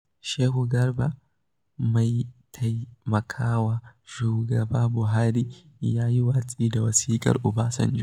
Shehu Garba, mai taimakawa shugaba Buhari, ya yi watsi da wasiƙar Obasanjo: